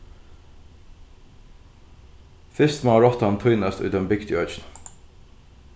fyrst má rottan týnast í teimum bygdu økjunum